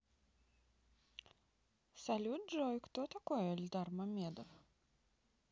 салют джой кто такой эльдар мамедов